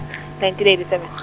nineteen eighty seven .